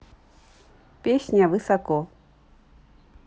песня высоко